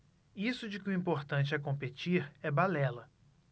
isso de que o importante é competir é balela